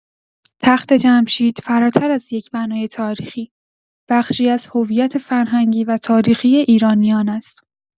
تخت‌جمشید فراتر از یک بنای تاریخی، بخشی از هویت فرهنگی و تاریخی ایرانیان است.